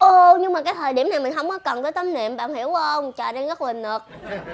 ô nhưng mà cái thời điểm này mình hông có cần cái tấm nệm bà có hiểu không trời đang rất là nực